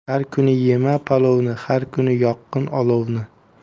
har kuni yema palovni har kuni yoqqin olovni